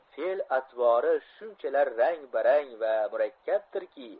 fe'l atvori shunchalar rang barang va murakkabdirki